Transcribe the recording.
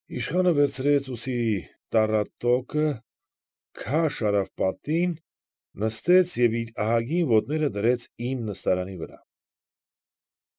Իշխանը վերցրեց ուսի տառատոկը, քաշ արավ պատին, նստեց և իր ահագին ոտները դրեց իմ նստարանի վրա։